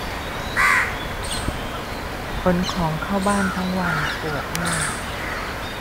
ขนของเข้าบ้านทั้งวันปวดเมื่อย